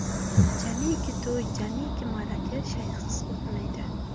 jamiki to'y jamiki maraka shayxsiz o'tmaydi